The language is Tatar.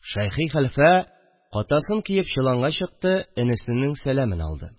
Шәйхи хәлфә катасын киеп чоланга чыкты, энесенең сәләмен алды